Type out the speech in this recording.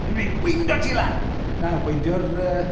Dwi'n mynd i weindio ti lan! Na weindio'r yy...